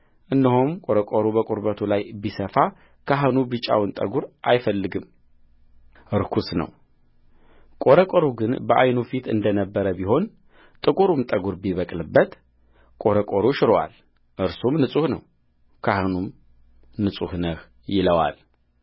እነሆም ቈረቈሩ በቁርበቱ ላይ ቢሰፋ ካህኑ ብጫውን ጠጕር አይፈልግም ርኩስ ነውቈረቈሩ ግን በዓይኑ ፊት እንደ ነበረ ቢሆን ጥቁርም ጠጕር ቢበቅልበት ቈረቈሩ ሽሮአል እርሱም ንጹሕ ነው ካህኑም ንጹሕ ነው ይለዋል